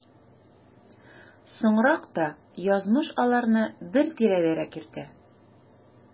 Соңрак та язмыш аларны бер тирәдәрәк йөртә.